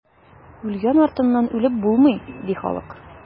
Үлгән артыннан үлеп булмый, ди халык.